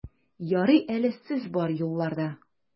Ярый әле сез бар юлларда!